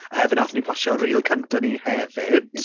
A hefyd wnaethon ni postio reel cynta ni hefyd.